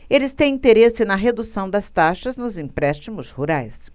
eles têm interesse na redução das taxas nos empréstimos rurais